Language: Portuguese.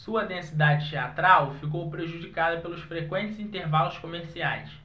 sua densidade teatral ficou prejudicada pelos frequentes intervalos comerciais